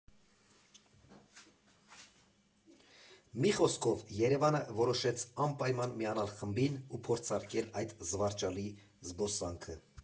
Մի խոսքով, ԵՐԵՎԱՆ֊ը որոշեց անպայման միանալ խմբին ու փորձարկել այդ զվարճալի զբոսանքը։